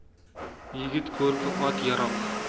yigit ko'rki ot yarog'